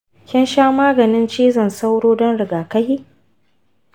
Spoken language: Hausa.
kin sha maganin cizon sauro don rigakafi?